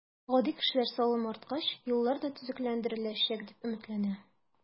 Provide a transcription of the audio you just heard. Гади кешеләр салым арткач, юллар да төзекләндереләчәк, дип өметләнә.